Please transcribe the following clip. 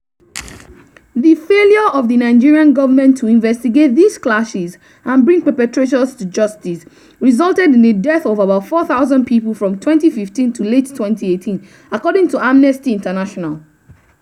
The failure of the Nigerian government to investigate these clashes and "bring perpetrators to justice" resulted in the death of about 4,000 people from 2015 to late 2018, according to Amnesty International.